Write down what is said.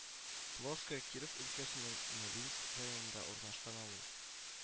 Плоская Киров өлкәсенең Нолинск районында урнашкан авыл